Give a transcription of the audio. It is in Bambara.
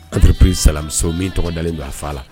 Anpri samuso min tɔgɔ dalen bɛ a fɔ a la